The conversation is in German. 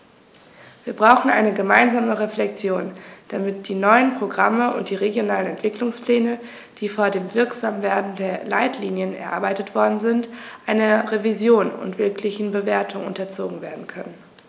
Wir brauchen eine gemeinsame Reflexion, damit die neuen Programme und die regionalen Entwicklungspläne, die vor dem Wirksamwerden der Leitlinien erarbeitet worden sind, einer Revision und wirklichen Bewertung unterzogen werden können.